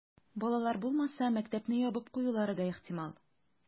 Балалар булмаса, мәктәпне ябып куюлары да ихтимал.